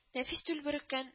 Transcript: Нәфис тюль бөреккән